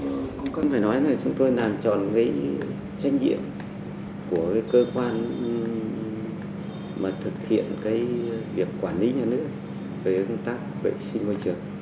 vẫn phải nói là chúng tôi làm tròn cái trách nhiệm của cái cơ quan mà thực hiện cái việc quản lý nhà nước về cái công tác vệ sinh môi trường